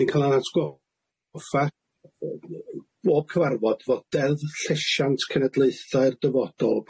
ni'n ca'l atgoffa bob cyfarfod fod dedd llesiant cenedlaethau'r dyfodol